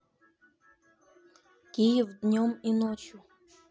киев днем и ночью